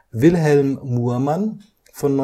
Wilhelm Muhrmann, von